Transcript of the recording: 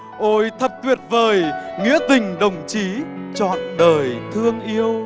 ôi thật tuyệt vời nghĩa tình đồng chí trọn đời thương yêu